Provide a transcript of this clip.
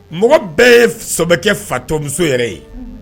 Mɔgɔ bɛɛ ye sokɛbɛ kɛ fatɔmuso yɛrɛ ye